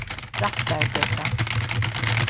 rættargøta